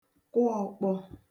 kụ ọ̀kpọ